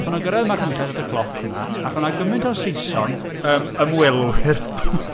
Wnaethon nhw gyrraedd yym Machynlleth at y cloc fanna, ac oedd 'na gymaint o Saeson, yym, ymwelwyr !